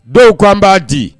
Dɔw k'an b'a di